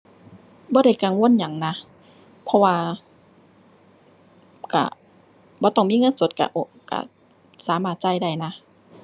บ่ได้กังวลหยังนะ เพราะว่าก็ บ่ต้องมีเงินสดก็โอน ก็สามารถจ่ายได้นะ